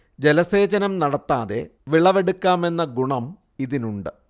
ജലസേചനം നടത്താതെ വിളവെടുക്കാമെന്ന ഗുണം ഇതിനുണ്ട്